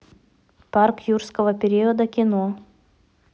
парк юрского периода кино